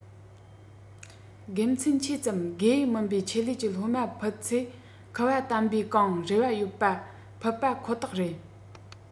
དགེ མཚན ཆེ ཙམ དགེ འོས མིན པའི ཆེད ལས ཀྱི སློབ མ ཕུད ཚོས ཁུ བ དམ བེའུ གང རེ བ ཡོད པ ཕུད པ ཁོ ཐག རེད